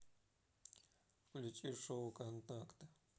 включи шоу контакты